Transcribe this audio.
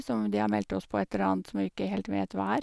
som De har meldt oss på et eller annet som vi ikke vet helt hva er.